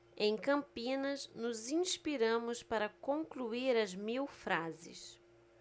em campinas nos inspiramos para concluir as mil frases